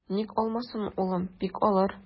Ник алмасын, улым, бик алыр.